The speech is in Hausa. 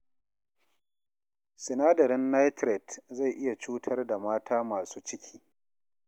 Sinadarin Nitiret zai iya cutar da mata masu ciki.